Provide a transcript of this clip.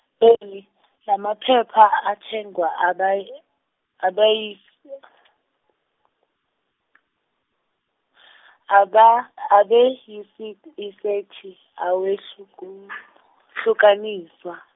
Dolly, lamaphepha athengwa abey- abeyi-, aba- abeyisi- yisethi awehluku- hlukaniswa.